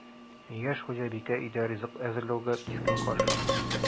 Яшь хуҗабикә өйдә ризык әзерләүгә кискен каршы булды: